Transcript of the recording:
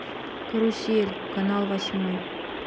карусель канал восьмой